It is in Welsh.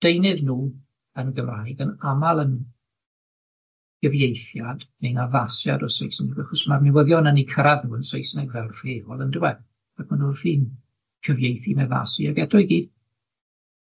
deunydd nw yn Gymraeg yn amal yn gyfieithiad neu'n addasiad o Saesneg, achos ma'r newyddion yn 'u cyrradd nw yn Saesneg fel rheol yndyw e, ac ma' nw wrthi'n cyfieithu'n addasu ag eto i gyd